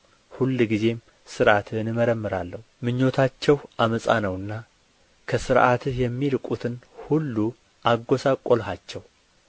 ሁልጊዜም ሥርዓትህን እመረምራለሁ ምኞታቸው ዓመፃ ነውና ከሥርዓትህ የሚርቁትን ሁሉ አጐሳቈልሃቸው